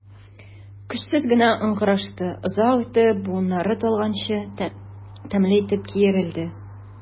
Көчсез генә ыңгырашты, озак итеп, буыннары талганчы тәмле итеп киерелде.